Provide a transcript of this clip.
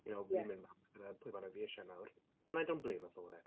You know... ie ..."Fi'n mynd mas gyda pwy bynnag fi eisiau nawr." And I don't blame her for it.